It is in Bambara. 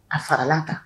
A faralan kan